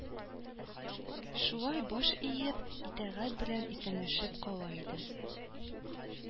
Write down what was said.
Шулай баш иеп, итагать белән исәнләшеп кала иде